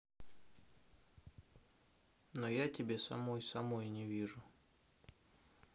но я тебе самой самой не вижу